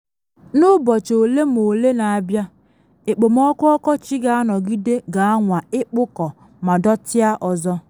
N’ụbọchị ole ma ole na abịa, ekpomọkụ ọkọchị ga-anọgide ga-anwa ịkpụkọ ma dọtịa ọzọ.